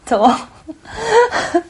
Do.